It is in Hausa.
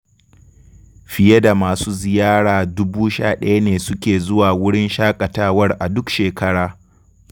Fiye da masu ziyara 16,000 ne suke zuwa wurin shaƙatawar a duk shekara.